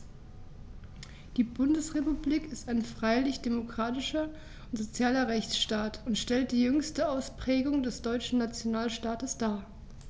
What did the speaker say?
Die Bundesrepublik ist ein freiheitlich-demokratischer und sozialer Rechtsstaat und stellt die jüngste Ausprägung des deutschen Nationalstaates dar.